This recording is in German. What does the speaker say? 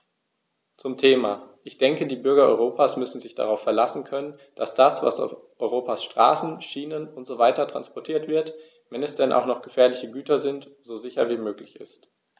Zum Thema: Ich denke, die Bürger Europas müssen sich darauf verlassen können, dass das, was auf Europas Straßen, Schienen usw. transportiert wird, wenn es denn auch noch gefährliche Güter sind, so sicher wie möglich ist.